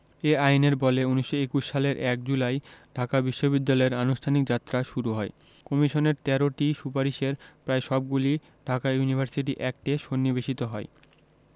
এ আইনের বলে ১৯২১ সালের ১ জুলাই ঢাকা বিশ্ববিদ্যালয়ের আনুষ্ঠানিক যাত্রা শুরু হয় কমিশনের ১৩টি সুপারিশের প্রায় সবগুলিই ঢাকা ইউনিভার্সিটি অ্যাক্টে সন্নিবেশিত হয়